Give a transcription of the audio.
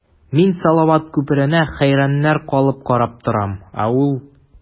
Мин салават күперенә хәйраннар калып карап торам, ә ул...